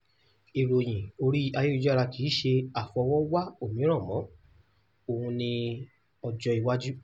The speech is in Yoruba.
Ìròyìn orí ayélujára kìí ṣe àfisọ́wọ́-wá-òmíràn mọ́: òun ni ọjọ́-iwájú.